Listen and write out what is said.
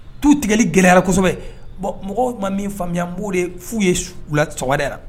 Tu tigɛli gɛlɛyara mɔgɔw ma min faamuya b'o de'u ye lada la